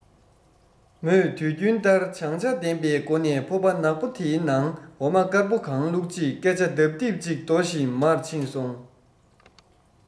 མོས དུས རྒྱུན ལྟར བྱང ཆ ལྡན པའི སྒོ ནས ཕོར པ ནག པོ དེའི ནང འོ མ དཀར པོ གང བླུགས རྗེས སྐད ཆ ལྡབ ལྡིབ ཅིག ཟློ བཞིན མར ཕྱིན སོང